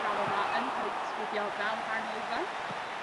disgrifio fel hangover.